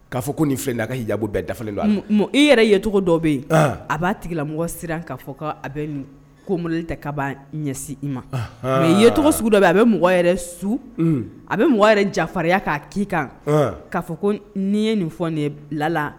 Kaa fɔ ko nin filɛ da ka' dabu bɛɛ dafa don mɔgɔ i yɛrɛ yecogo dɔ bɛ yen a b'a tigila mɔgɔ siran ka'a fɔ a bɛ kommoli ta ka ban ɲɛsin i ma mɛ ye tɔgɔ sugu dɔ bɛ a bɛ mɔgɔ yɛrɛ su a bɛ mɔgɔ yɛrɛ jarinya'a k'i kan k'a fɔ ko ni ye nin fɔ nin lala